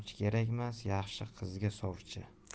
kerakmas yaxshi qizga sovchi